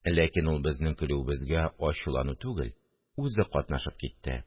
Ләкин ул безнең көлүебезгә ачулану түгел, үзе катнашып китте: